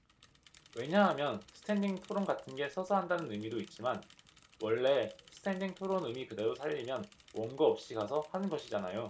왜냐하면 스탠딩 토론 같은 게 서서 한다는 의미도 있지만 원래 스탠딩 토론 의미 그대로 살리면 원고 없이 가서 하는 것이잖아요